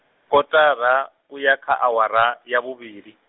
kotara, u ya kha awara, ya vhuvhili.